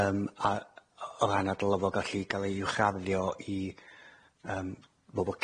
yym a o ran a dylo fo gallu ga'l ei uwchraddio i yym bobol